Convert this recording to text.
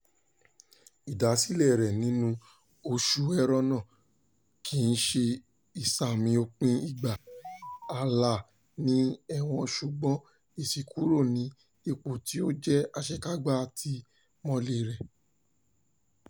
Ìdásílẹ̀ẹ rẹ̀ nínú oṣù Ẹrẹ́nà kì í ṣe ìsààmì òpin ìgbà Alaa ní ẹ̀wọ̀n, ṣùgbọ́n ìṣíkúrò sí ipò tí ó jẹ́ àṣekágbá àtìmọ́lée rẹ̀.